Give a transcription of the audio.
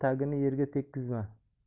tagini yerga tegizma